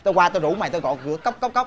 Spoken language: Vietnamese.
tao qua tao rủ mày tao gõ cửa cốc cốc cốc